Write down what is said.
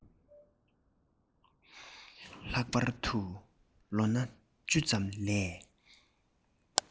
ལྷག པར དུ ལོ ན བཅུ ཙམ ལས